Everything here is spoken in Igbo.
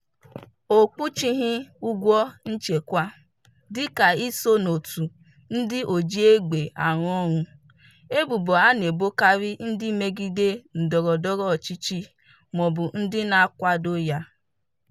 O kpuchighi ụgwọ nchekwa, dịka i so n'otu ndị oji egbe arụ ọrụ - ebubo a na-ebokarị ndị mmegide ndọrọ ndọrọ ọchịchị maọbu ndị na-akwado ya.